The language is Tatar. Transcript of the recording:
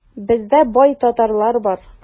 Бездә бай татарлар бар.